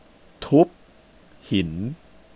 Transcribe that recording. ทุบหิน